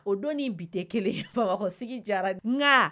O don ni bi tɛ kelen bamakɔ sigi jara nka